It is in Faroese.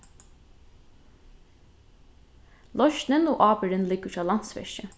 loysnin og ábyrgdin liggur hjá landsverki